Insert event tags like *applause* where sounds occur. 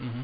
*hesitation* *hesitation*